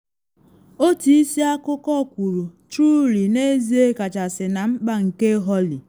Otu isi akụkọ kwuru: “Truly n’ezie kachasị na mkpa nke Holly.